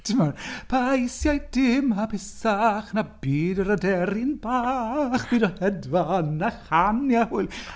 Timod, " eisiau dim hapusach 'na byd yr aderyn bach, gyda hedfan a chanu a hwyl".